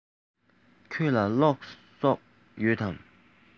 ཁྱོད ལ གློག བསོགས ཡོད དམ